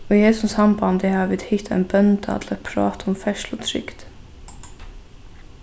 í hesum sambandi hava vit hitt ein bónda til eitt prát um ferðslutrygd